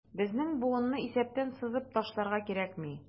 Безнең буынны исәптән сызып ташларга кирәкми.